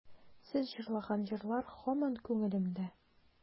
Сез җырлаган җырлар һаман күңелемдә.